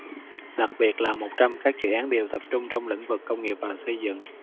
đặc biệt là một trăm các dự án đều tập trung trong lĩnh vực công nghiệp và xây dựng